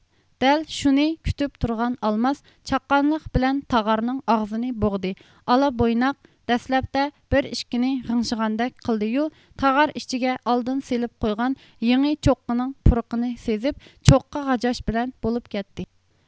دەل شۇنى كۈتۈپ تۇرغان ئالماس چاققانلىق بىلەن تاغارنىڭ ئاغزىنى بوغدى ئالا بويناق دەسلەپتە بىر ئىككىنى غىڭشىغاندەك قىلدىيۇ تاغار ئىچىگە ئالدىن سېلىپ قويغان يېڭى چوققىنىڭ پۇرىقىنى سىزىپ چوققا غاجاش بىلەن بولۇپ كەتتى